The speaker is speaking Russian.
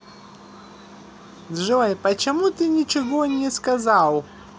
джой почему ты ничего не сказал